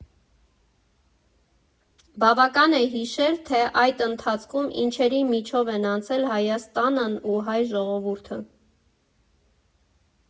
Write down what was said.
Բավական է հիշել, թե այդ ընթացքում ինչերի միջով են անցել Հայաստանն ու հայ ժողովուրդը։